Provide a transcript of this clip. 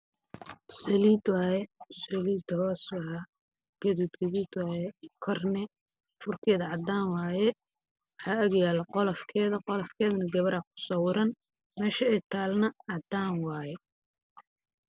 Waa caagado ku jira saliid